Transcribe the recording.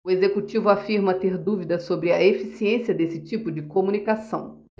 o executivo afirma ter dúvidas sobre a eficiência desse tipo de comunicação